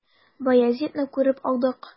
Баязитны күреп алдык.